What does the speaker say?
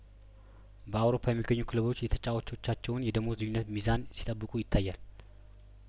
በአውሮፓ የሚገኙ ክለቦች የተጫዋቾቻቸውን የደሞዝ ልዩነት ሚዛን ሲጠብቁ ይታያል